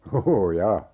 ooja